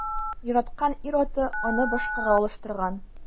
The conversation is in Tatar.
Яраткан ир-аты аны башкага алыштырган.